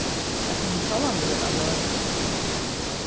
tað kunnu sjálvandi vera løtur